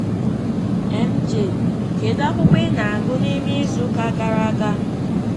MJ: Kedu akwụkwọ ị na-agụ n'ime izu ụka gara aga?